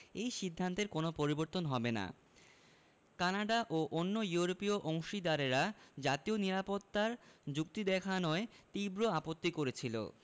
এ সিদ্ধান্তের কোনো পরিবর্তন হবে না কানাডা ও অন্য ইউরোপীয় অংশীদারেরা জাতীয় নিরাপত্তার যুক্তি দেখানোয় তীব্র আপত্তি করেছিল